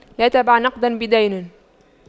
لا تبع نقداً بدين